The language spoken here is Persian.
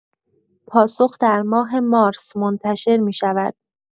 پاسخ در ماه مارس منتشر می‌شود.